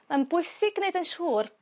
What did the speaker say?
ma'n bwysig gneud yn siŵr